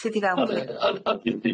Tyd i fewn.